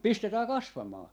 pistetään kasvamaan